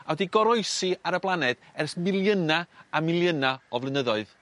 a wedi goroesi ar y blaned ers miliyna a milyna o flynyddoedd.